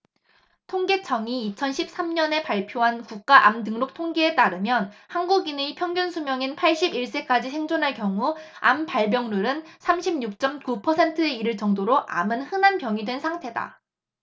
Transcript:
통계청이 이천 십 삼 년 발표한 국가암등록통계에 따르면 한국인의 평균수명인 팔십 일 세까지 생존할 경우 암발병률은 삼십 육 쩜 구 퍼센트에 이를 정도로 암은 흔한 병이 된 상태다